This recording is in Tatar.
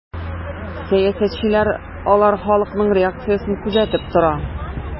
Сәясәтчеләр алар халыкның реакциясен күзәтеп тора.